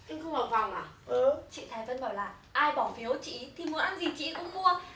anh không vào phòng à chị thái vân bảo là ai bỏ phiếu cho chị ý thì muốn ăn gì chị ý cũng mua